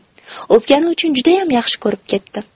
o'pgani uchun judayam yaxshi ko'rib ketdim